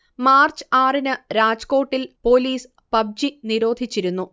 March ആറിന് രാജ്കോട്ടിൽ police PUBG നിരോധിച്ചിരുന്നു